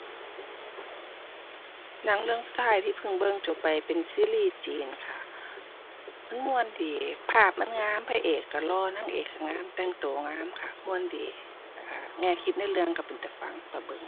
หนังเรื่อง Sky ที่พึ่งเบิ่งจบไปเป็นซีรีส์จีนค่ะ มันม่วนดี ภาพมันงาม พระเอกก็หล่อ นางเอกก็งาม แต่งก็งามค่ะ ม่วนดี แนวคิดในเรื่องก็เป็นตาฟังตาเบิ่ง